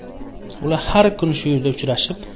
ular har kuni shu yerda uchrashib